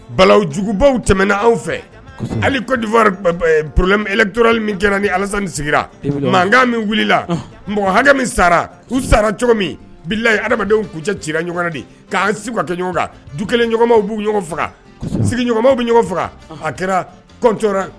Balalawjugubaw tɛmɛna aw fɛ alidifa torali min kɛra ni alasa ni sigira mankan min wulila mɔgɔ hakɛ min sara u sara cogo min bilala adamadamadenw ku cɛ ci ɲɔgɔn de' ka kɛ ɲɔgɔn kan du kelen ɲɔgɔnmaw bɛ ɲɔgɔn faga sigiɲɔgɔnw bɛ ɲɔgɔn faga a kɛra kɔn